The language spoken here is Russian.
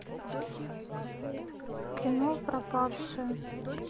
кино пропавшие